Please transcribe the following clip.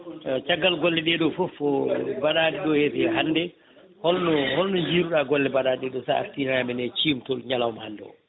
caggal golle ɗeɗo foof mbaɗaɗe ɗo hande holno holno jiiruɗa golle mbaɗaɗe ɗo s arti ha e men cimtol ñalawma hande o